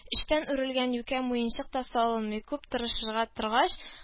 Өчтән үрелгән юкә муенчак та салынмый, күп тырышырга торгач